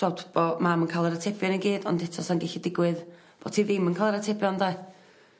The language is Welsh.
t'od bo mam yn ca'l yr atebion i gyd ond eto sa'n gellu digwydd bot hi ddim yn ca'l yr atebion 'de?